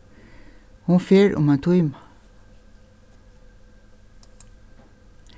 hon fer um ein tíma